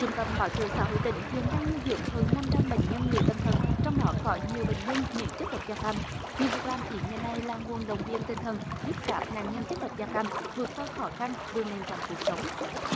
trung tâm bảo trợ xã hội tỉnh hiện đang nuôi dưỡng hơn năm trăm bệnh nhân người tâm thần trong đó có nhiều bệnh nhân nhiễm chất độc da cam những việc làm ý nghĩa này là nguồn động viên tinh thần giúp các nạn nhân chất độc da cam vượt qua khó khăn vươn lên trong cuộc sống